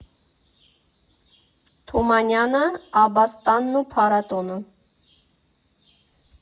Թումանյանը, Աբաստանն ու փառատոնը։